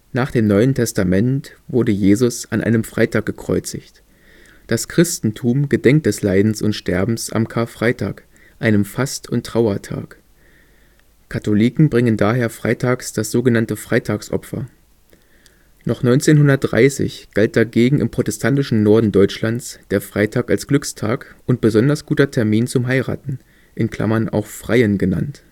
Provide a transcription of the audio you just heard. Nach dem Neuen Testament wurde Jesus an einem Freitag gekreuzigt. Das Christentum gedenkt des Leidens und Sterbens am Karfreitag, einem Fast - und Trauertag. Katholiken bringen daher freitags das sogenannte Freitagsopfer. Noch 1930 galt dagegen im protestantischen Norden Deutschlands der Freitag als Glückstag und besonders guter Termin zum Heiraten (auch „ Freien “genannt